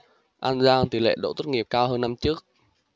an giang tỷ lệ đỗ tốt nghiệp cao hơn năm trước